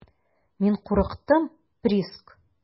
Мин курыктым, Приск.